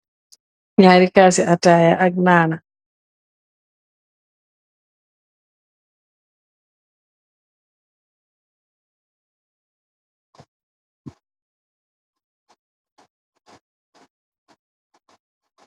Ñaari kassi attaya ak nanah.